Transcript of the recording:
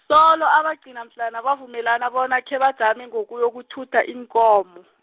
solo abagcina mhlana bavumelana bona khebajame ngokuyokuthutha iinkomo.